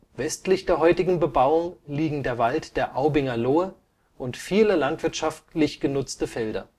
Westlich der heutigen Bebauung liegen der Wald der Aubinger Lohe und viele landwirtschaftlich genutzte Felder